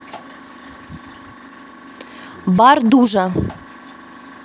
бар дужа